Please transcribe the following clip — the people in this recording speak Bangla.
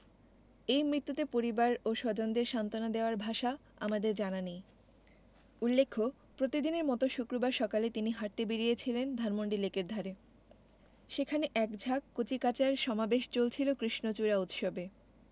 এই মৃত্যুতে পরিবার ও স্বজনদের সান্তনা দেয়ার ভাষা আমাদের জানা নেই উল্লেখ্য প্রতিদিনের মতো শুক্রবার সকালে তিনি হাঁটতে বেরিয়েছিলেন ধানমন্ডি লেকের ধারে সেখানে এক ঝাঁক কচিকাঁচার সমাবেশ চলছিল কৃষ্ণচূড়া উৎসবে